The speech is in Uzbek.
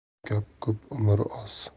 gap ko'p umr oz